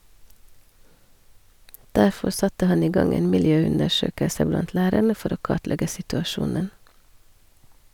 Derfor satte han i gang en miljøundersøkelse blant lærerne for å kartlegge situasjonen.